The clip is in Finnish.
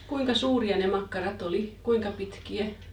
kuinka suuria ne makkarat oli kuinka pitkiä